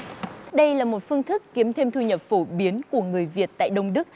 đây là một phương thức kiếm thêm thu nhập phổ biến của người việt tại đông đức